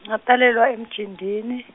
ngatalelwa eMjindini.